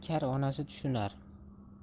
kar onasi tushunar